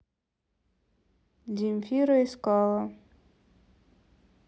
земфира искала